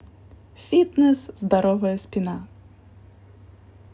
фитнес здоровая спина